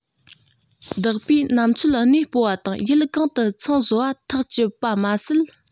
བདག པོས ནམ ཚོད གནས སྤོ བ དང ཡུལ གང དུ ཚང བཟོ བ ཐག གཅོད པ མ ཟད